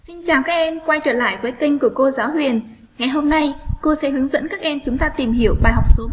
xin chào các em quay trở lại với kênh của cô giáo huyền ngày hôm nay cô sẽ hướng dẫn các em chúng ta tìm hiểu bài học số